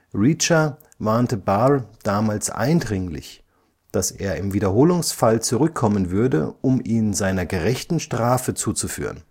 Reacher warnte Barr damals eindringlich, dass er im Wiederholungsfall zurück kommen würde, um ihn seiner gerechten Strafe zuzuführen